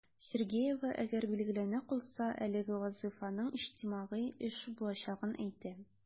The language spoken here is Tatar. Сергеева, әгәр билгеләнә калса, әлеге вазыйфаның иҗтимагый эш булачагын әйтә.